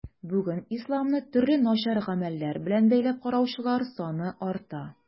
Бүген исламны төрле начар гамәлләр белән бәйләп караучылар саны арта.